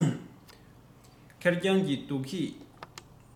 ཁེར རྐྱང གི སྡུག གིས